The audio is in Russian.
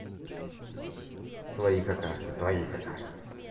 свои какашки твои какашки